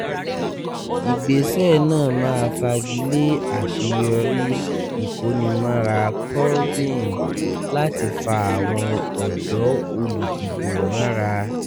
Ìgbéṣẹ̀ náà máa fagilé àṣeyọrí ìkónimọ́ra Corbyn láti fa àwọn ọ̀dọ́ olùdìbò mọ́ra.